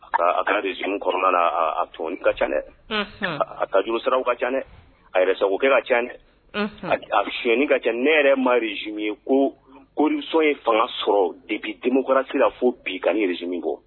A kɛra de z kɔnɔna la tɔn ka ca dɛ a ka juru sararaw ka ca a yɛrɛsago kɛ ka ca dɛ a fiyɛn ka ca ne yɛrɛ mari z ye ko korisɔn ye fanga sɔrɔ de bɛ denmusokurasi la fo bi ka z kɔ